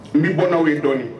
N bɛ bɔnnaw ye dɔɔnin